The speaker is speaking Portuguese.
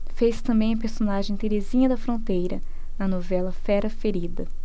fez também a personagem terezinha da fronteira na novela fera ferida